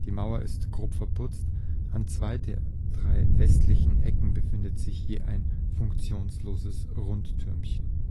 Mauer ist grob verputzt, an zwei der westlichen Ecken befindet sich je ein funktionsloses Rundtürmchen